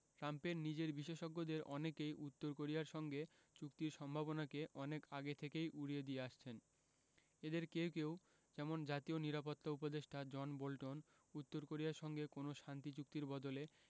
ট্রাম্পের নিজের বিশেষজ্ঞদের অনেকেই উত্তর কোরিয়ার সঙ্গে চুক্তির সম্ভাবনাকে অনেক আগে থেকেই উড়িয়ে দিয়ে আসছেন এঁদের কেউ কেউ যেমন জাতীয় নিরাপত্তা উপদেষ্টা জন বোল্টন উত্তর কোরিয়ার সঙ্গে কোনো শান্তি চুক্তির বদলে